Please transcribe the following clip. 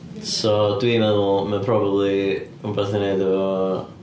So dwi'n meddwl mae probably rywbeth i wneud efo...